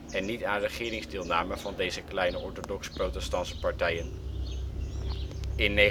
en niet aan regeringsdeelname van deze kleine orthodox-protestantse partijen. In 1977